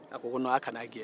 a ko ko aw kan'a gɛn